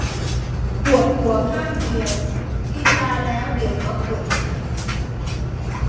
ปวดหัวข้างเดียวกินยาแล้วเดี๋ยวก็ปวดใหม่